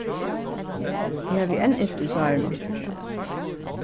eg havi enn ilt í sárinum